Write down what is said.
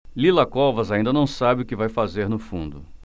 lila covas ainda não sabe o que vai fazer no fundo